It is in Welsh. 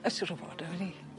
Yy siŵr o fod y fyddi.